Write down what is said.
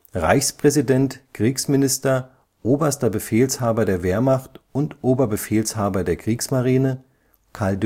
Reichspräsident, Kriegsminister, Oberster Befehlshaber der Wehrmacht und Oberbefehlshaber der Kriegsmarine: Karl